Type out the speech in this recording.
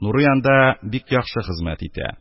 Нурый анда бик яхшы хезмәт итә